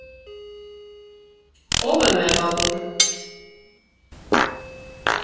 Ո՞վ է մեղավոր։